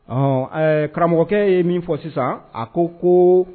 Ɔ karamɔgɔkɛ ye min fɔ sisan a ko ko